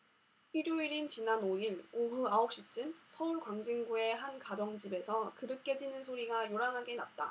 일요일인 지난 오 일 오후 아홉 시쯤 서울 광진구의 한 가정집에서 그릇 깨지는 소리가 요란하게 났다